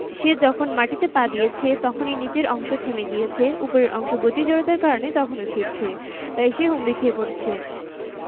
সে যখন মাটিতে পা দিয়েছে তখন নিচের অংশ থেমে গিয়েছে ওপরের অংশ গতি জড়তার কারণে তখনো ছুটছে তাই সে হুমড়ি খেয়ে পড়ছে